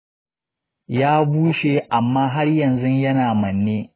ya bushe amma har yanzu yana manne.